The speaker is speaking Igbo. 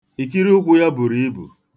Ikiriụkwụ ya buru ibu.